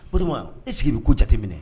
O i sigi bɛ ko jateminɛ